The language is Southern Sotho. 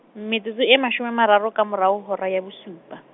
metsotso e mashome a mararo ka morao ho hora ya bosupa.